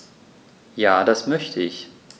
Ja, das möchte ich.